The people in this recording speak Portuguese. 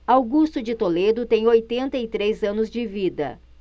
augusto de toledo tem oitenta e três anos de vida